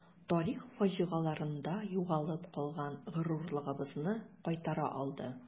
Тарих фаҗигаларында югалып калган горурлыгыбызны кайтара алды.